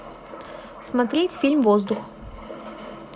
смотреть фильм воздух